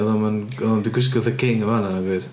Oedd o'm yn oedd o'm 'di gwisgo fatha king yn fan'na nagoedd.